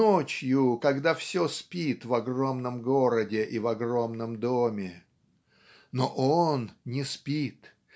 ночью, "когда все спит в огромном городе и в огромном доме". Но он не спит.